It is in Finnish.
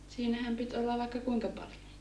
siinähän piti olla vaikka kuinka paljon